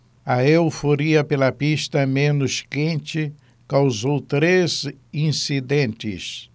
a euforia pela pista menos quente causou três incidentes